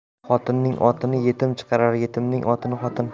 xotinning otini yetim chiqarar yetimning otini xotin